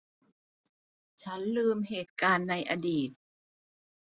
ฉันลืมเหตุการณ์ในอดีต